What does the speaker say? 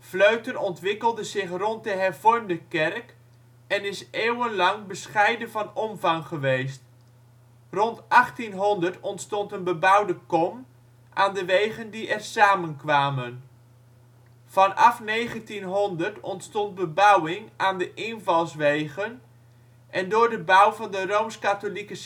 Vleuten ontwikkelde zich rond de hervormde kerk en is eeuwenlang bescheiden van omvang geweest. Rond 1800 ontstond een bebouwde kom aan de wegen die er samen kwamen. Vanaf 1900 ontstond bebouwing aan de invalswegen en door de bouw van de rooms-katholieke